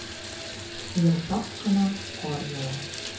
Йомшак кына кар ява.